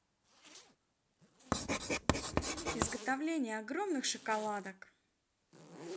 изготовление огромных шоколадок